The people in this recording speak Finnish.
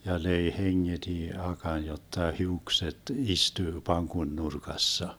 ja löi hengeti akan jotta hiukset istuu pankon nurkassa